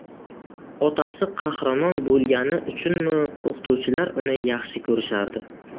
otasi qahramon bo'lgani uchunmi o'qituvchilar uni yaxshi ko'rishardi